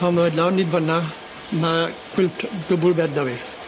Pan oedd e d- lan 'yd fyn 'na ma' quilt double bed 'da fi.